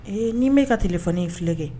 Ee nin m'e ka téléphone in filɛ kɛ